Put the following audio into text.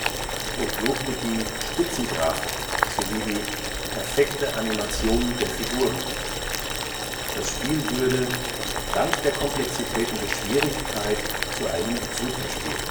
und lobte die „ Spitzengrafik “sowie die „ perfekte Animation der Figuren “. Das Spiel würde „ Dank der Komplexität und der Schwierigkeit “zu einem „ Superspiel